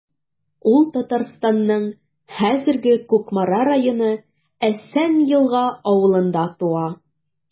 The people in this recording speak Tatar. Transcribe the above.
Ул Татарстанның хәзерге Кукмара районы Әсән Елга авылында туа.